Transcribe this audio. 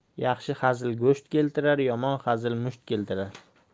yaxshi hazil go'sht keltirar yomon hazil musht keltirar